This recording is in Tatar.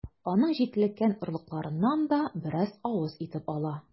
Аның җитлеккән орлыкларыннан да бераз авыз итеп ала.